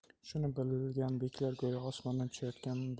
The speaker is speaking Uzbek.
shuni bilgan beklar go'yo osmondan tushayotgan